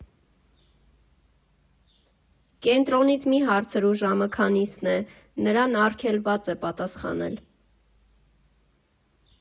Կենտրոնից մի՛ հարցրու ժամը քանիսն է, նրան արգելված է պատասխանել։